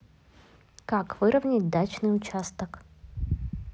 как выровнять дачный участок